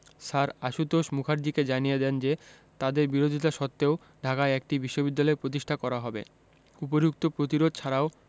sir Ashutosh মুখার্জীকে জানিয়ে দেন যে তাঁদের বিরোধিতা সত্ত্বেও ঢাকায় একটি বিশ্ববিদ্যালয় প্রতিষ্ঠা করা হবে উপরিউক্ত প্রতিরোধ ছাড়াও